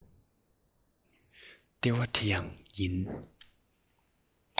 ལྟེ བ དེ ཡང